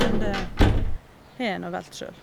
Men det har jeg nå valgt sjøl.